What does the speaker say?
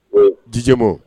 Ɔ dija ma